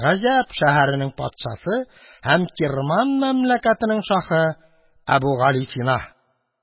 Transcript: Гаҗәп шәһәренең патшасы һәм Кирман мәмләкәтенең шаһы Әбүгалисина